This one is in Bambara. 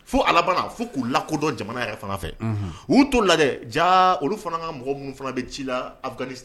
Fo a laban na fo k'u lakodɔn jamana yɛrɛ fana fɛ unhun u y'u t'o de la dɛ jaa olu fana ka mɔgɔ minnu fana bɛ ci laa Afganis